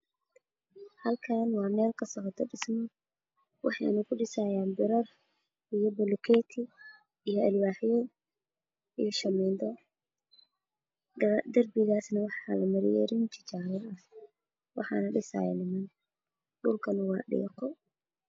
Halkan waxaa iga muuqda meel laga dhisaayo dabaq arwaaxyo iyo biro ayaa ka tagtaagan dhulkana waa madow